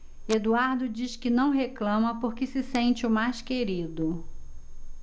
eduardo diz que não reclama porque se sente o mais querido